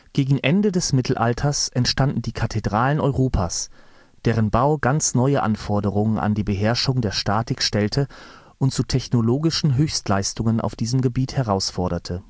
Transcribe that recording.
Gegen Ende des Mittelalters entstanden die Kathedralen Europas, deren Bau ganz neue Anforderungen an die Beherrschung der Statik stellte und zu technologischen Höchstleistungen auf diesem Gebiet herausforderte